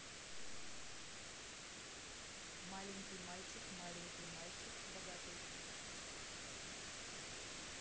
маленький мальчик маленький мальчик богатый